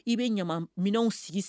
I bɛ ɲama minɛnw sigi